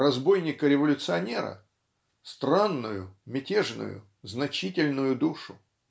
разбойника-революционера, странную, мятежную, значительную душу.